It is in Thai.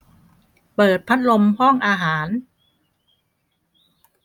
เปิดพัดลมห้องอาหาร